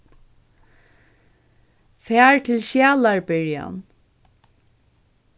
far til skjalarbyrjan